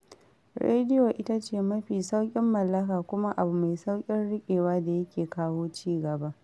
Rediyo ita ce mafi sauƙin mallaka kuma abu mai sauƙin rikewa da yake kawo ci gaba